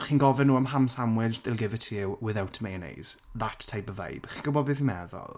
Chi'n gofyn nhw am ham sandwich, they'll give it to you without mayonnaise that type of vibe, chi'n gwybod beth fi'n meddwl?